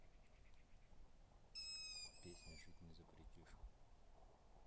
песня жить не запретишь